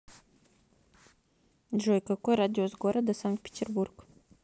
джой какой радиус города санкт петербург